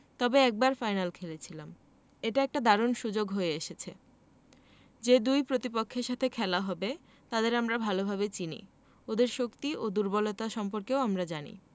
তবে একবার ফাইনাল খেলেছিলাম এটা একটা দারুণ সুযোগ হয়ে এসেছে যে দুই প্রতিপক্ষের সঙ্গে খেলা হবে তাদের আমরা ভালোভাবে চিনি ওদের শক্তি ও দুর্বলতা সম্পর্কেও আমরা জানি